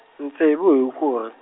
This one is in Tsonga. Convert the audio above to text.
ntsevu Hukuri.